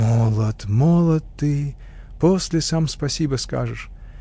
— Молод, молод ты; после сам спасибо скажешь.